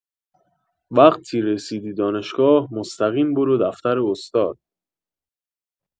وقتی رسیدی دانشگاه مستقیم برو دفتر استاد